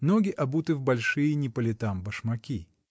ноги обуты в большие не по летам башмаки.